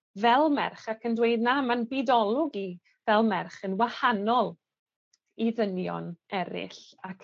fel merch ac yn dweud na ma'n byd olwg i fel merch yn wahanol i ddynion eryll, ac